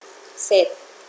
เสร็็จ